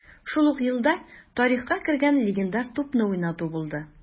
Шул ук елда тарихка кергән легендар тупны уйнату булды: